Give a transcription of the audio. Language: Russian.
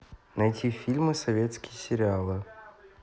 найти фильмы советские сериалы